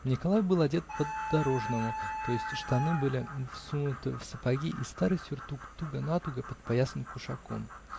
Николай был одет по-дорожному, то есть штаны были всунуты в сапоги и старый сюртук туго-натуго подпоясан кушаком.